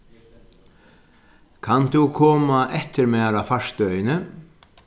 kann tú koma eftir mær á farstøðini